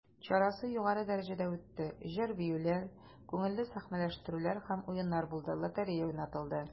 Чарасы югары дәрәҗәдә үтте, җыр-биюләр, күңелле сәхнәләштерүләр һәм уеннар булды, лотерея уйнатылды.